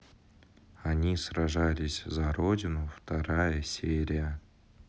они сражались за родину вторая серия